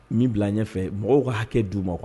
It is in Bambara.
N b'i bila ɲɛfɛ mɔgɔw ka hakɛ d'u ma